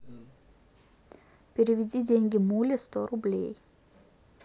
переведи деньги муле сто рублей